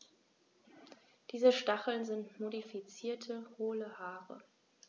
Diese Stacheln sind modifizierte, hohle Haare.